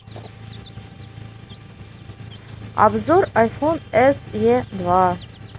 обзор айфон эс е два